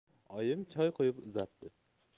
oyim choy quyib uzatdi